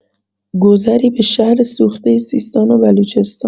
گذری به شهر سوخته سیستان و بلوچستان